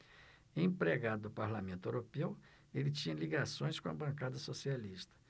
empregado do parlamento europeu ele tinha ligações com a bancada socialista